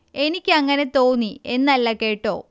എനിക്ക് അങ്ങനെ തോന്നി എന്നല്ല കേട്ടോ